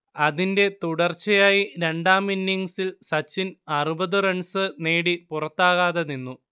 അതിന്റെ തുടർച്ചയായി രണ്ടാം ഇന്നിങ്സിൽ സച്ചിൻ അറുപത് റൺസ് നേടി പുറത്താകാതെനിന്നു